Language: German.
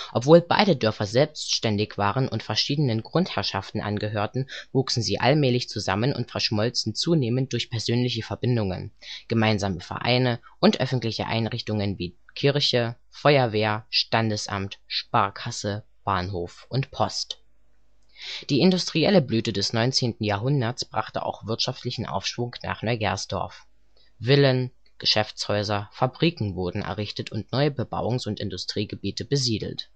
Obwohl beide Dörfer selbständig waren und verschiedenen Grundherrschaften angehörten, wuchsen sie allmählich zusammen und verschmolzen zunehmend durch persönliche Verbindungen, gemeinsame Vereine und öffentliche Einrichtungen, wie Kirche, Feuerwehr, Standesamt, Sparkasse, Bahnhof, Post. Die industrielle Blüte des 19. Jahrhunderts brachte auch wirtschaftlichen Aufschwung nach Neugersdorf. Villen, Geschäftshäuser, Fabriken wurden errichtet und neue Bebauungs - und Industriegebiete besiedelt